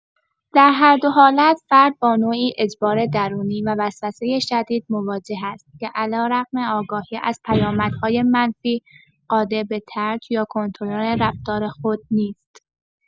در هر دو حالت، فرد با نوعی اجبار درونی و وسوسه شدید مواجه است که علیرغم آگاهی از پیامدهای منفی، قادر به ترک یا کنترل رفتار خود نیست.